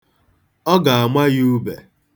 Ọ ga-ama ya ube.